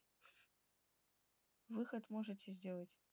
выход можете сделать